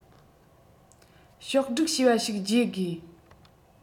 ཕྱོགས བསྒྲིགས བྱས པ ཞིག བརྗེ དགོས